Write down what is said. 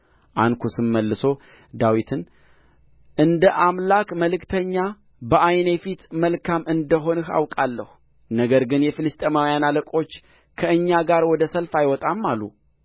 አንኩስም መልሶ ዳዊትን እንደ አምላክ መልእክተኛ በዓይኔ ፊት መልካም እንደ ሆንህ አውቃለሁ ነገር ግን የፍልስጥኤማውያን አለቆች ከእኛ ጋር ወደ ሰልፍ አይወጣም አሉ